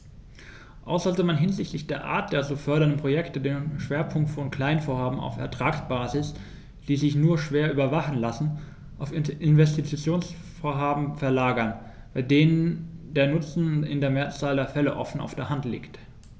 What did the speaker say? Auch sollte man hinsichtlich der Art der zu fördernden Projekte den Schwerpunkt von Kleinvorhaben auf Ertragsbasis, die sich nur schwer überwachen lassen, auf Investitionsvorhaben verlagern, bei denen der Nutzen in der Mehrzahl der Fälle offen auf der Hand liegt.